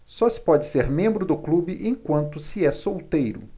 só se pode ser membro do clube enquanto se é solteiro